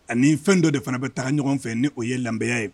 Ani fɛn dɔ de fana bɛ taga ɲɔgɔn fɛ ni o ye dambeya.